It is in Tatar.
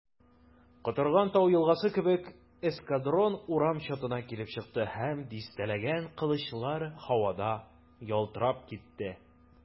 Котырган тау елгасы кебек эскадрон урам чатына килеп чыкты, һәм дистәләгән кылычлар һавада ялтырап китте.